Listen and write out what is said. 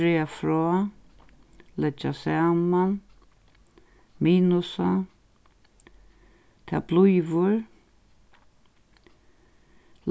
draga frá leggja saman minusa tað blívur